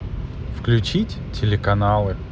включить телеканалы